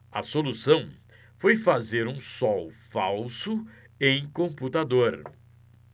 a solução foi fazer um sol falso em computador